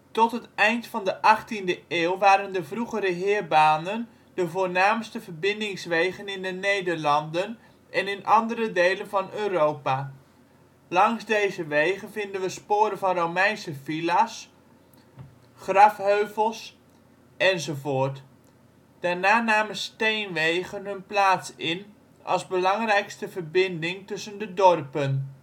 Tot het eind van de 18e eeuw waren de vroegere heerbanen de voornaamste verbindingswegen in de Nederlanden en in andere delen van Europa. Langs deze wegen vinden we sporen van Romeinse villa 's, tumuli (= grafheuvels) enzovoort. Daarna namen steenwegen hun plaats in als belangrijkste verbinding tussen de dorpen